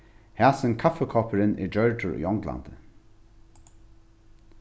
hasin kaffikoppurin er gjørdur í onglandi